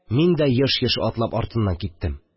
Мин дә, еш-еш атлап, артыннан киттем